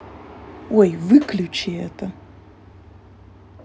ой выключи это